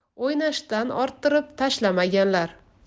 o'ynashdan orttirib tashlamaganlar